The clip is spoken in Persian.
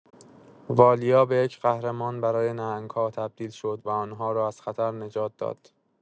والیا به یک قهرمان برای نهنگ‌ها تبدیل شد و آنها را از خطر نجات داد.